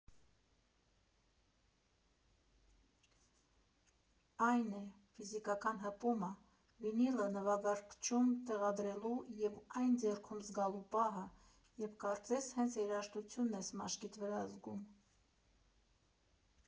Այն է՝ «ֆիզիկական հպումը, վինիլը նվագարկչում տեղադրելու ու այն ձեռքում զգալու պահը, երբ կարծես հենց երաժշտությունն ես մաշկիդ վրա զգում»։